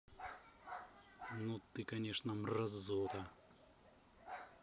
ну ты конечно мразота